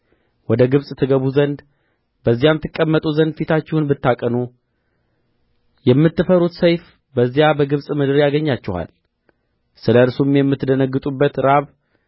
ወደ ግብጽ ትገቡ ዘንድ በዚያም ትቀመጡ ዘንድ ፊታችሁን ብታቀኑ የምትፈሩት ሰይፍ በዚያ በግብጽ ምድር ያገኛችኋል ስለ እርሱም የምትደነግጡበት ራብ